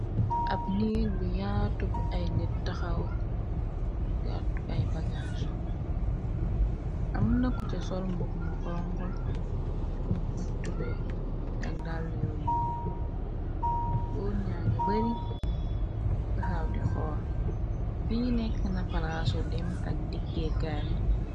ab miir bu yaatu bu ay nit taxaw gàddu ay bagang amna ku ca sol mbobu mu xonxo sol ak tubey ak dàlla yu ñi góor nanga bari taxaw di xool fi nekk na palaasu dem ak dik kéekaay